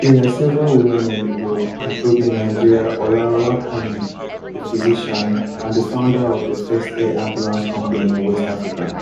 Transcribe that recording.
There are several women in this group, including Nigerian Ola Orekunrin, a physician and the founder of the first air ambulance company in West Africa.